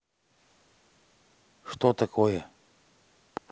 что такое